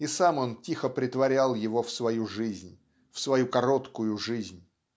и сам он тихо претворял его в свою жизнь в свою короткую жизнь.